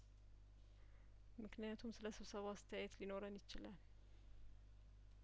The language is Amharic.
ምክንያቱም ስለስብሰባው አስተያየት ሊኖረን ይችላል